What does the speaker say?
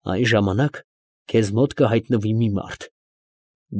Այն Ժամանակ քեզ մոտ կհայտնվի մի մարդ։